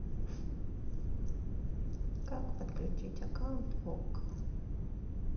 как подключить аккаунт окко